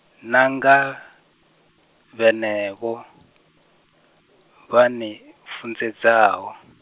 na nga, vhenevho, vha ni funḓedzaho.